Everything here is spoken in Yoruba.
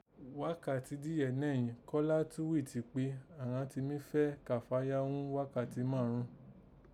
ghákàtí díyẹ̀ nẹ́yìn, Kọ́lá túwíìtì kpé àghan ti mí fẹ́ Kàfáyá ghún ghákàtí márùn ún